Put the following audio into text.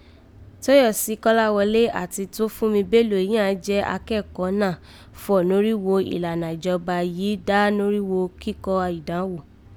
Tóyọ̀sí Kọ́lá wọlé àti Tófúnmi Bélo yìí àán jẹ́ akẹ́kọ̀ọ́ náà fọ̀ norígho ìlànà ìjọba yìí dá norígho kíkọ ìdánwò